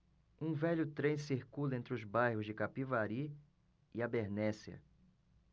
um velho trem circula entre os bairros de capivari e abernéssia